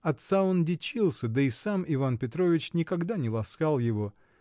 Отца он дичился, да и сам Иван Петрович никогда не ласкал его